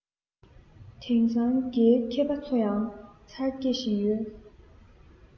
དེང སང རྒྱའི མཁས པ ཚོ ཡང མཚར སྐྱེ བཞིན ཡོད